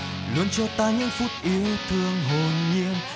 luôn cho ta những phút yêu thương hồn nhiên